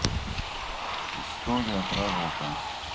история пророка